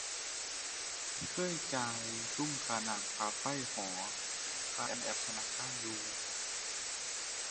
เคยจ่ายซุมค่าน้ำ ค่าไฟหอ ผ่านแอปธนาคารอยู่